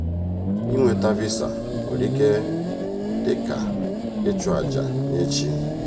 ịnweta Visa nwere ike ịdị ka ichụ aja nye chi.